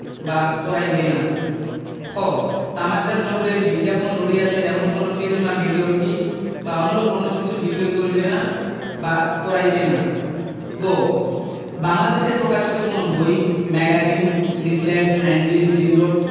বা করাইবে না খ তামাকজাত দ্রব্যের বিজ্ঞাপন রহিয়অছে এমন কোন ফিল্ম বা ভিডিও টিপ বা অনুরূপ অন্য কিছু বিক্রয় করিবে না বা করাইবে না গ বাংলাদেশে প্রকাশিত কোন বই ম্যাগাজিন লিফলেট হ্যান্ডবিল বিলবোর্ড